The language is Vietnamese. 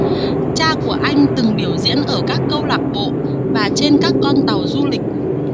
cha của anh từng biểu diễn ở các câu lạc bộ và trên các con tàu du lịch